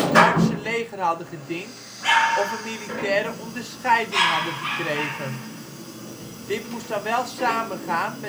Duitse leger hadden gediend of een militaire onderscheiding hadden gekregen. Dit moest dan wel samengaan